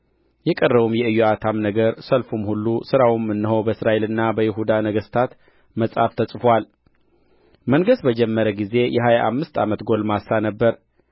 የቀረውም የኢዮአታም ነገር ሰልፉም ሁሉ ሥራውም እነሆ በእስራኤልና በይሁዳ ነገሥታት መጽሐፍ ተጽፎአል መንገሥ በጀመረ ጊዜ የሀያ አምስት ዓመት ጕልማሳ ነበረ